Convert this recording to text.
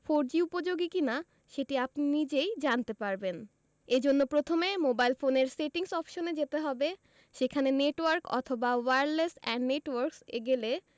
four G উপযোগী কিনা সেটি আপনি নিজেই জানতে পারবেন এ জন্য প্রথমে মোবাইল ফোনের সেটিংস অপশনে যেতে হবে সেখানে নেটওয়ার্ক অথবা ওয়্যারলেস অ্যান্ড নেটওয়ার্কস এ গেলে